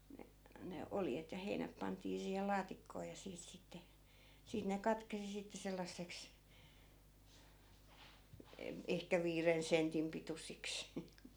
ne ne oljet ja heinät pantiin siihen laatikkoon ja siitä sitten siitä ne katkesi sitten sellaiseksi - ehkä viiden sentin pituisiksi